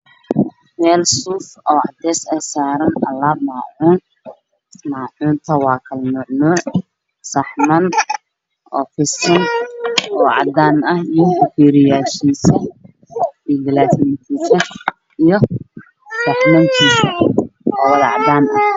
Meel suuf oo cady oo saar macuun maacunta waa kala nooc saxmaan waan cadaan iyo bakeeyo iyo galaas yihiisa waan wada cadaan